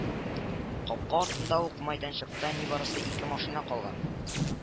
Капка артында ук мәйданчыкта нибарысы ике машина калган